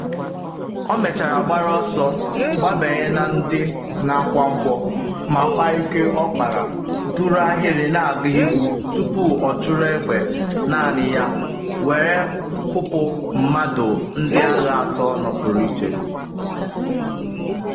Ọ mechara gbara ọsọ gbabanye na ndị na-akwa mgbọ ma “kpaa ike ọkpara” duru ahịrị na-aga ihu tupu ọ chụrụ egbe naanị ya were kụpụ mmadụ ndị agha atọ nọpụrụ iche.